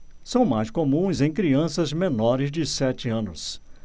são mais comuns em crianças menores de sete anos